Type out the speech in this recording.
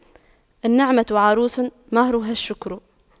النعمة عروس مهرها الشكر